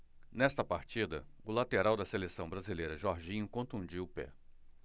nesta partida o lateral da seleção brasileira jorginho contundiu o pé